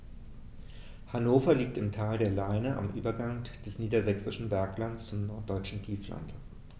Hannover liegt im Tal der Leine am Übergang des Niedersächsischen Berglands zum Norddeutschen Tiefland.